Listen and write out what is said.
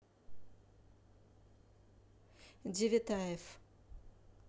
девятаев